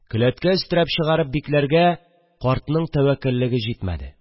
Келәткә өстерәп чыгарып бикләргә картның тәвәккәллеге җитмәде